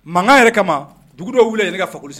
Mankan yɛrɛ kama, duguw wulila yanni ka Fakoli